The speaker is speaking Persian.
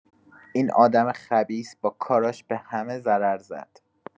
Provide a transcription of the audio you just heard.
این آدم خبیث با کاراش به همه ضرر زد.